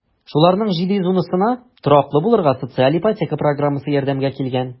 Шуларның 710-сына тораклы булырга социаль ипотека программасы ярдәмгә килгән.